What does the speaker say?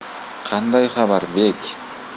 qanday xabar bek